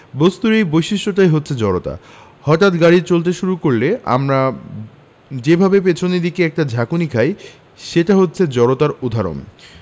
বস্তুর এই বৈশিষ্ট্যটাই হচ্ছে জড়তা হঠাৎ গাড়ি চলতে শুরু করলে আমরা যেভাবে পেছনের দিকে একটা ঝাঁকুনি খাই সেটা হচ্ছে জড়তার উদাহরণ